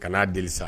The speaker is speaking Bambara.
Kan'a deli sa